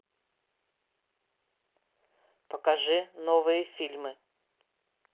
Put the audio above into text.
покажи новые фильмы